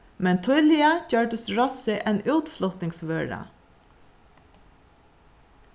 men tíðliga gjørdust rossið ein útflutningsvøra